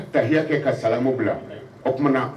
Ka tahiya kɛ ka salamu bila. O kuma na